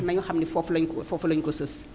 nañu xam ne foofu la ñu ko foofu la ñu ko sës